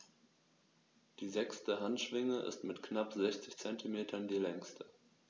Die sechste Handschwinge ist mit knapp 60 cm die längste.